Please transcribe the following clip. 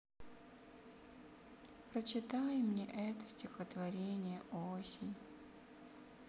прочитай мне это стихотворение осень